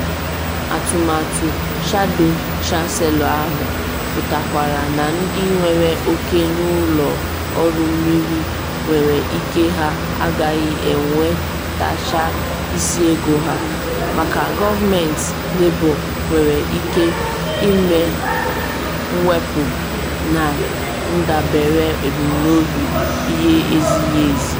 Atụmatụ shadow chancellor ahụ pụtakwara na ndị nwere oke n’ụlọ ọrụ mmiri nwere ike ha agaghị enwetacha isi ego ha, maka gọọmentị Labour nwere ike ‘ime mwepu’ na ndabere ebumnobi ihe ezighi ezi.